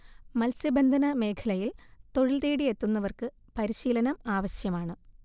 മത്സ്യബന്ധന മേഖലയിൽ തൊഴിൽതേടി എത്തുന്നവർക്ക് പരിശീലനം ആവശ്യമാണ്